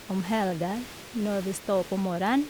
Om helgen, når vi står opp om morgenen...